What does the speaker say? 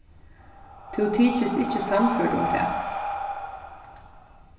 tú tyktist ikki sannførd um tað